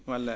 wallay